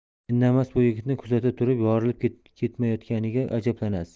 indamas bu yigitni kuzata turib yorilib ketmayotganiga ajablanasiz